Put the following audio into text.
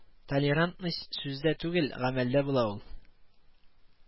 Толерантность сүздә түгел, гамәлдә була ул